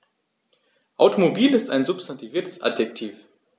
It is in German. Automobil ist ein substantiviertes Adjektiv.